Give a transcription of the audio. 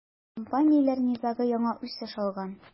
Компанияләр низагы яңа үсеш алган.